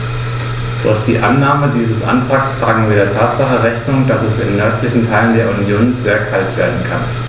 Durch die Annahme dieses Antrags tragen wir der Tatsache Rechnung, dass es in den nördlichen Teilen der Union sehr kalt werden kann.